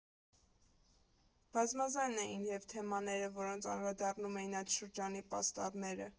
Բազմազան էին և թեմաները, որոնց անդրադառնում էին այդ շրջանի պաստառները։